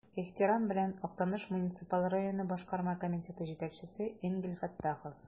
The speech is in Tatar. Ихтирам белән, Актаныш муниципаль районы Башкарма комитеты җитәкчесе Энгель Фәттахов.